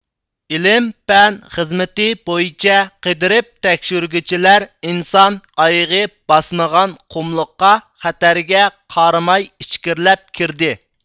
ئىلىم پەن خىزمىتى بويىچە قېدىرىپ تەكشۈرگۈچىلەر ئىنسان ئايىغى باسمىغان قۇملۇققا خەتەرگە قارىماي ئىچكىرىلەپ كىردى